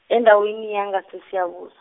endaweni yangaseSiyabus-.